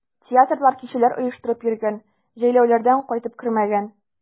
Театрлар, кичәләр оештырып йөргән, җәйләүләрдән кайтып кермәгән.